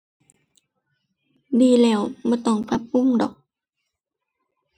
ดีแล้ว บ่ต้องปรับปรุงดอก